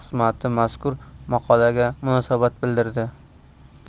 xizmati mazkur maqolaga munosabat bildirdi